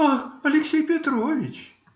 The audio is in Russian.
- Ах, Алексей Петрович!